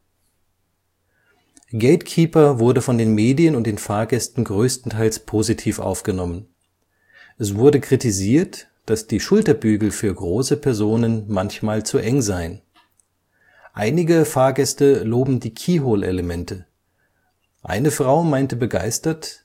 GateKeeper wurde von den Medien und den Fahrgästen größtenteils positiv aufgenommen. Es wurde kritisiert, dass die Schulterbügel für große Personen manchmal zu eng seien. Einige Fahrgäste loben die Keyhole-Elemente. Eine Frau meinte begeistert